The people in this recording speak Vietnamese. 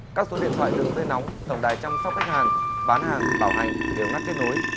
các số điện thoại đường dây nóng tổng đài chăm sóc khách hàng bán hàng bảo hành đều ngắt kết nối